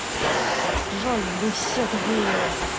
джой вы все тупые